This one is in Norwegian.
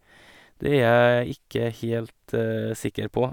Det er jeg ikke helt sikker på.